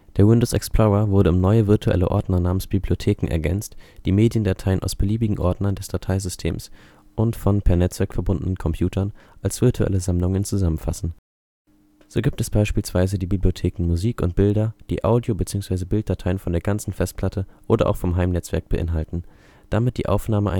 Der Windows-Explorer wurde um neue virtuelle Ordner namens Bibliotheken ergänzt, die Mediendateien aus beliebigen Ordnern des Dateisystems und von per Netzwerk verbundenen Computern als virtuelle Sammlungen zusammenfassen. So gibt es beispielsweise die Bibliotheken Musik und Bilder, die Audio - beziehungsweise Bilddateien von der ganzen Festplatte oder auch vom Heimnetzwerk beinhalten. Damit die Aufnahme